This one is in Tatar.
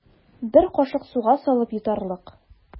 Бер кашык суга салып йотарлык.